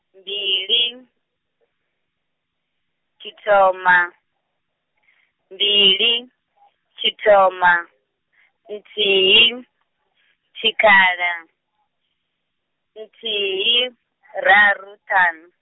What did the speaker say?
mbili, tshithoma, mbili, tshithoma, nthihi, tshikhala, nthihi, raru, ṱhanu.